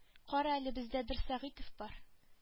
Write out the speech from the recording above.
Кара әле бездә бер сәгыйтов бар